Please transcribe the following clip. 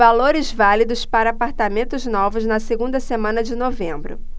valores válidos para apartamentos novos na segunda semana de novembro